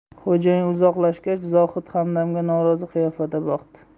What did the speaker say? xo'jayin uzoqlashgach zohid hamdamga norozi qiyofada boqdi